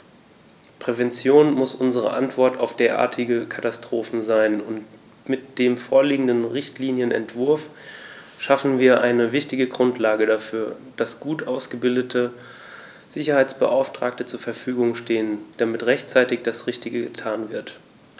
Prävention muss unsere Antwort auf derartige Katastrophen sein, und mit dem vorliegenden Richtlinienentwurf schaffen wir eine wichtige Grundlage dafür, dass gut ausgebildete Sicherheitsbeauftragte zur Verfügung stehen, damit rechtzeitig das Richtige getan wird.